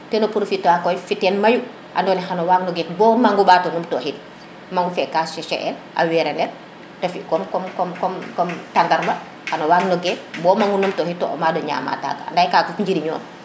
te no profiter wa koy fiteen mayu ando naye xano wag no gek bo maŋu ɓato numtu xid maŋu fe ka sécher el a wera nel te fi comme comme comme tandarma xano wag no geek bo mangu num to xid to o mado ñama taga ande kaga fop njiriño